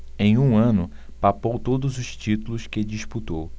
em um ano papou todos os títulos que disputou